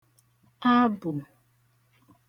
abụ̀